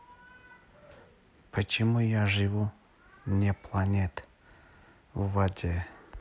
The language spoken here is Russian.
почему я живу не planet в воде